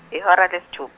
ihora lesithup-.